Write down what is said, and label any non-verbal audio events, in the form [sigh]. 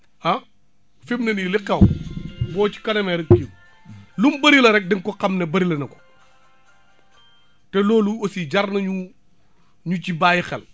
ah [noise] fi mu ne nii li xew [noise] boo ci kanamee rek kii lu mu bërile rek di nga ko xam ne bërile na ko te loolu aussi jar na ñu ñu ci bàyyi xel